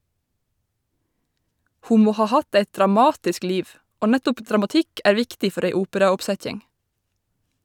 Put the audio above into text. Ho må ha hatt eit dramatisk liv, og nettopp dramatikk er viktig for ei operaoppsetjing.